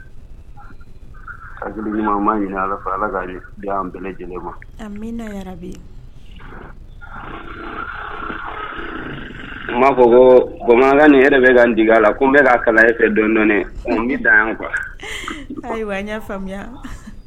Ɲini fara an bɛ lajɛlen ma bi n b'a fɔ ko bamanankan ni yɛrɛ bɛ d a la ko n bɛ ka kala kɛ don ko da yan kuwa ayiwa y'a faamuya